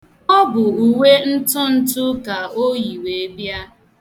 Ọ bụ uwe ntụntụ ka o yi wee bịa.